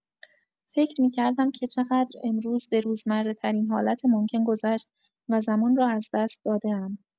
فکر می‌کردم که چه‌قدر امروز به روزمره‌ترین حالت ممکن گذشت و زمان را از دست داده‌ام.